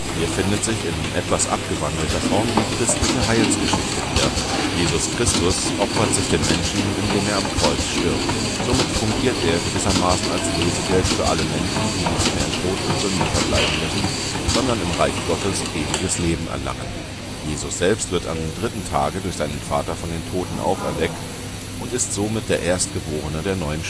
Hier findet sich in etwas abgewandelter Form die christliche Heilsgeschichte wieder: Jesus Christus opfert sich den Menschen, indem er am Kreuz stirbt. Somit fungiert er gewissermaßen als Lösegeld für alle Menschen, die nicht mehr in Tod und Sünde verbleiben müssen, sondern im Reich Gottes Ewiges Leben erlangen. Jesus selbst wird am dritten Tage durch seinen Vater von den Toten auferweckt und ist somit der Erstgeborene der neuen